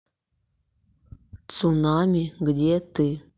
цунами где ты